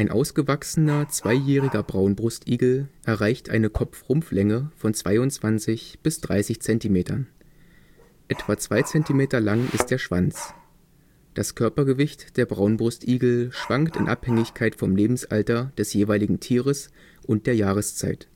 ausgewachsener zweijähriger Braunbrustigel erreicht eine Kopf-Rumpf-Länge von 22 bis 30 Zentimetern. Etwa zwei Zentimeter lang ist der Schwanz. Das Körpergewicht der Braunbrustigel schwankt in Abhängigkeit vom Lebensalter des jeweiligen Tieres und der Jahreszeit